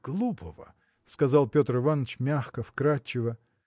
глупого, – сказал Петр Иваныч мягко, вкрадчиво.